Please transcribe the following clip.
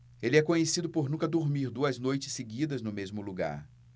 ele é conhecido por nunca dormir duas noites seguidas no mesmo lugar